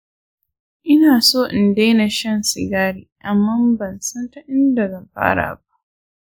ina so in daina shan sigari amma ban san ta inda zan fara ba.